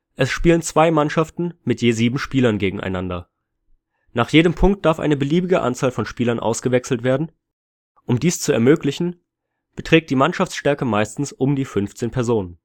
Es spielen zwei Mannschaften mit je 7 Spielern gegeneinander. Nach jedem Punkt darf eine beliebige Anzahl von Spielern ausgewechselt werden, um dies zu ermöglichen, beträgt die Mannschaftsstärke meistens um die 15 Personen